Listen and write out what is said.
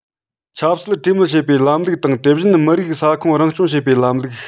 ཆབ སྲིད གྲོས མོལ བྱེད པའི ལམ ལུགས དང དེ བཞིན མི རིགས ས ཁོངས རང སྐྱོང བྱེད པའི ལམ ལུགས